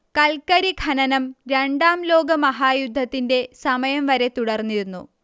കൽക്കരി ഖനനം രണ്ടാം ലോകമഹായുദ്ധത്തിന്റെ സമയം വരെ തുടർന്നിരുന്നു